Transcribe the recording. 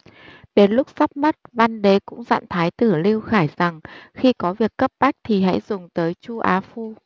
đến lúc sắp mất văn đế cũng dặn thái tử lưu khải rằng khi có việc cấp bách thì hãy dùng tới chu á phu